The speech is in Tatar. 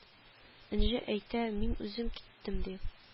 Энҗе әйтә мин үзем киттем ди